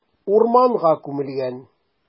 Урманга күмелгән.